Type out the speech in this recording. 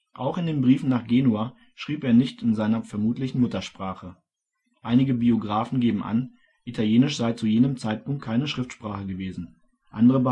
Auch in den Briefen nach Genua schrieb er nicht in seiner vermutlichen Muttersprache. Einige Biografen geben an, Italienisch sei zu jenem Zeitpunkt keine Schriftsprache gewesen, Andere